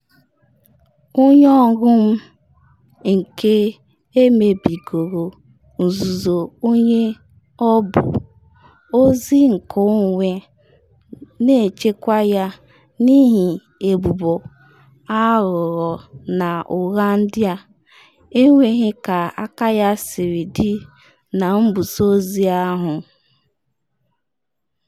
“Onye ọrụ m nke emebigoro nzuzo onye ọ bụ, ozi nkeonwe na nchekwa ya n’ihi ebubo aghụghọ na ụgha ndị a - enweghị ka aka ya siri dị na mbusa ozi ahụ.